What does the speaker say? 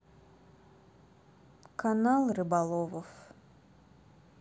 канал рыболов